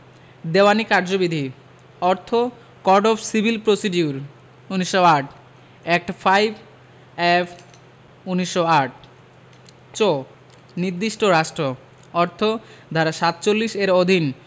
দেওয়ানী কার্যবিধি অর্থ code of civil procedure ১৯০৮ act five of ১৯০৮ চ নির্দিষ্ট রাষ্ট্র অর্থ ধারা ৪৭ এর অধীন